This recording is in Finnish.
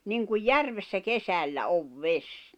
niin kuin järvessä kesällä on vesi